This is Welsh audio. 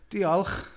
Diolch!